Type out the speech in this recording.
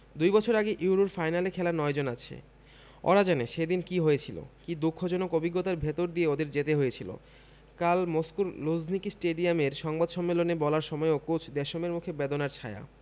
দুই বছর আগে ইউরোর ফাইনালে খেলা ৯ জন আছে ওরা জানে সেদিন কী হয়েছিল কী দুঃখজনক অভিজ্ঞতার ভেতর দিয়ে ওদের যেতে হয়েছিল কাল মস্কোর লুঝনিকি স্টেডিয়ামের সংবাদ সম্মেলনে বলার সময়ও কোচ দেশমের মুখে বেদনার ছায়া